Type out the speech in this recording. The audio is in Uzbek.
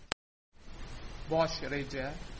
bosh reja